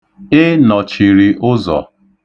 Ị nọchiri ụzọ.